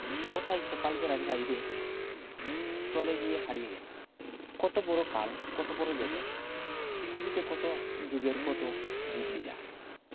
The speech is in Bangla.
ও তাই সকাল বেড়ার বাইরে চলে গিয়ে হারিয়ে গেল কত বড় কাল কত বড় জগত পৃথিবীতে কত জুগের কত জীবলীলা